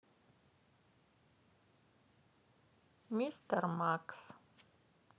мистер макс